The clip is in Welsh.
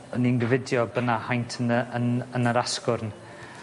O'n i'n gofidio bo' 'na haint yn y yn yn yr asgwrn.